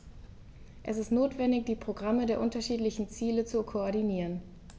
Es ist notwendig, die Programme der unterschiedlichen Ziele zu koordinieren.